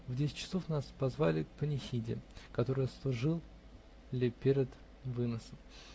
В десять часов нас позвали к панихиде, которую служили перед выносом.